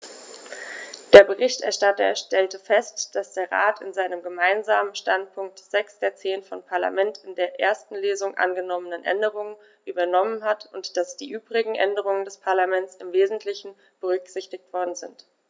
Der Berichterstatter stellte fest, dass der Rat in seinem Gemeinsamen Standpunkt sechs der zehn vom Parlament in der ersten Lesung angenommenen Änderungen übernommen hat und dass die übrigen Änderungen des Parlaments im wesentlichen berücksichtigt worden sind.